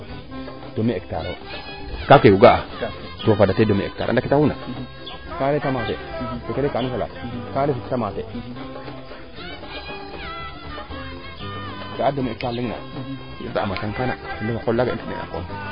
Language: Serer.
demie hectare oo ka ke o ga'a fada te demi hectar anda ke taxuuna kaana re tomate kaana kaani salade kaana ref tomate ga'a demi hectar leŋ naa i ndet a ma tang kaana ten ref qol laaga i ndet ina a koom